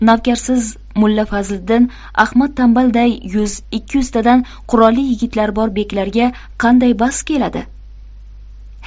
navkarsiz mulla fazliddin ahmad tanbalday yuz ikki yuztadan qurolli yigitlari bor beklarga qanday bas keladi